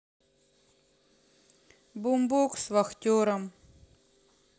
бумбокс вахтерам